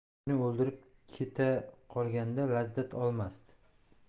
meni o'ldirib keta qolganda lazzat ololmasdi